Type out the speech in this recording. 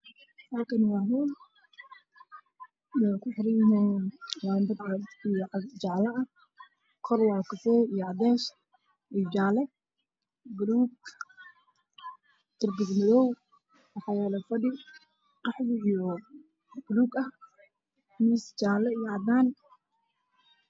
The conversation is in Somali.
Meeshaan waa hool waxaa kuxiran laambad cad iyo jaale, kor waa kafay iyo cadeys, jaale iyo buluug, darbiga waa madow waxaa yaalo fadhi qaxwi iyo buluug ah, miis jaale iyo cadaan.